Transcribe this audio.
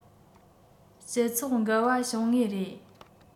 སྤྱི ཚོགས འགལ བ བྱུང ངེས རེད